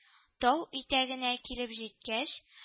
Тау итәгенә килеп җиткәч